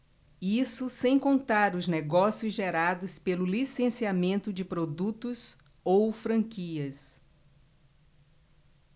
isso sem contar os negócios gerados pelo licenciamento de produtos ou franquias